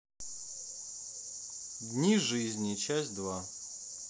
дни жизни часть два